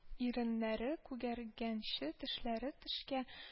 Иреннәре кугәргәнче тешләре тешкә